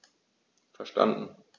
Verstanden.